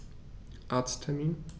Arzttermin